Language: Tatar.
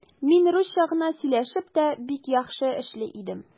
Мин русча гына сөйләшеп тә бик яхшы эшли идем.